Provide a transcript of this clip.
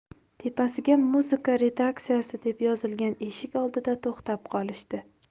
tepasiga muzika redaksiyasi deb yozilgan eshik oldida to'xtab qolishdi